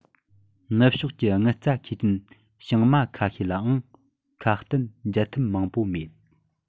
ནུབ ཕྱོགས ཀྱི དངུལ རྩ མཁས ཅན བྱང མ ཁ ཤས ལའང ཁ གཏད འཇལ ཐབས མང པོ མེད